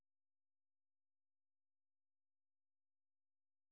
ярослав дронов знаешь